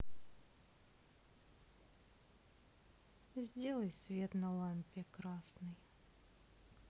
сделай свет на лампе красный